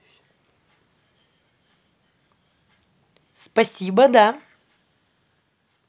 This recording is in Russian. спасибо да